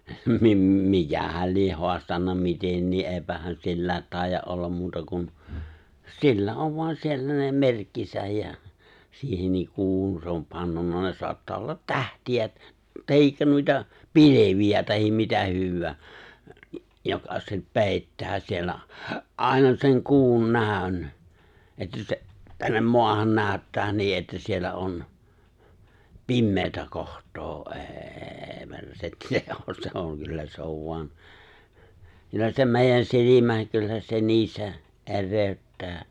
- mikähän lie haastanut mitenkin eipähän sillä taida olla muuta kuin sillä on vain siellä ne merkkinsä ja siihenkin kuuhun se on pannut ne saattaa olla tähtiä tai noita pilviä tai mitä hyvänsä joka se peittää siellä aina sen kuun näön että se tänne maahan näyttää niin että siellä on pimeää kohtaa ei persetti se on se on kyllä se on vain kyllä se meidän silmään kyllä se niin se erehdyttää